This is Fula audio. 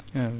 amin